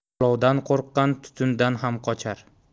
olovdan qo'rqqan tutundan ham qochar